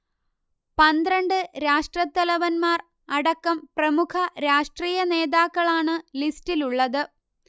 പന്ത്രണ്ട് രാഷ്ട്രത്തലവന്മാർ അടക്കം പ്രമുഖ രാഷ്ട്രീയ നേതാക്കളാണ് ലിസ്റ്റിലുള്ളത്